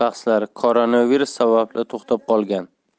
bahslari koronavirus sababli to'xtab qolgan